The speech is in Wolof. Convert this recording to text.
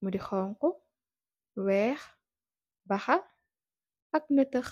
mudi xonxu weex baha ak neetah.